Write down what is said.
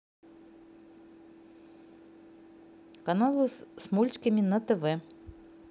каналы с мультфильмами на тв